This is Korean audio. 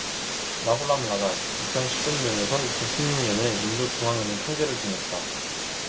라구람 라잔 이천 십 삼 에서 이천 십 육 년에 인도 중앙은행 총재를 지냈다